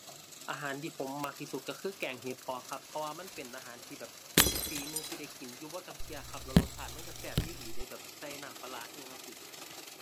อาหารที่ผมมักที่สุดก็คือแกงเห็ดเผาะครับ เพราะว่ามันเป็นอาหารที่แบบปีหนึ่งสิได้กินอยู่บ่จักเที่ยครับ แล้วรสชาติมันก็แซ่บอีหลีเดะ แบบใส่น้ำปลาร้าอิหยังจั่งซี้ ⁠